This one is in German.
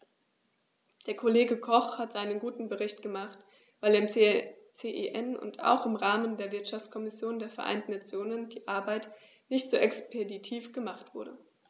Der Kollege Koch hat seinen guten Bericht gemacht, weil im CEN und auch im Rahmen der Wirtschaftskommission der Vereinten Nationen die Arbeit nicht so expeditiv gemacht wurde.